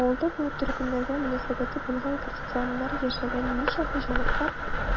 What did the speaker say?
Авылда бу төркемнәргә мөнәсәбәте булган крестьяннар яшәгән ничә хуҗалык бар?